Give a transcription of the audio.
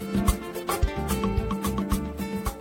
San